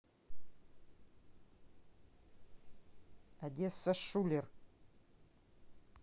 одесса шуллер